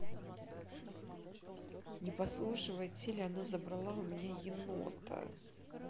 не послушивая теле она забрала у меня енота